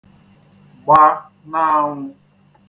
gba n'anwụ̄